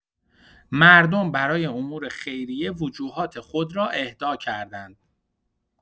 مردم برای امور خیریه وجوهات خود را اهدا کردند.